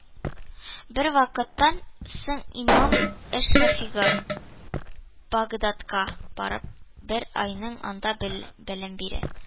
Бервакыттан соң имам әш-Шәфигый, Багдадка барып, бер айнын анда белем бирә